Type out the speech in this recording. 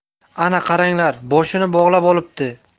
ana qaranglar boshini bog'lab olibdi